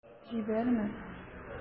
Җибәрмә...